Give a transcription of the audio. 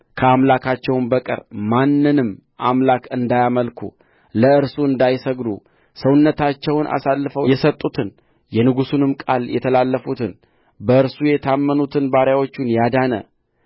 ከአምላካቸውም በቀር ማንም አምላክ እንዳያመልኩ ለእርሱም እንዳይሰግዱ ሰውነታቸውን አሳልፈው የሰጡትን የንጉሡንም ቃል የተላለፉትን በእርሱ የታመኑትን ባሪያዎቹን ያዳነ